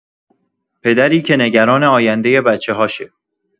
پدری که نگران آینده بچه‌هاشه